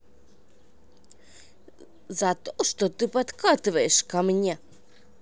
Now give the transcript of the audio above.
за то что ты подкатываешь ко мне